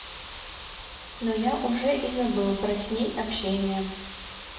но я уже и забыл про с ней общение